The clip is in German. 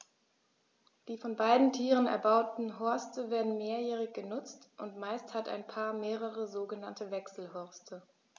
Die von beiden Tieren erbauten Horste werden mehrjährig benutzt, und meist hat ein Paar mehrere sogenannte Wechselhorste.